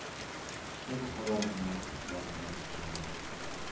Көчле рухлылар гына максатларына ирешә ала.